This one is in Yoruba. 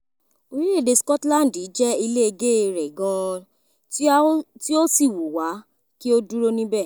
Scotland jẹ́ ilegèé rẹ gan an tí a ó sì wú wà kí ó dúró níbẹ̀."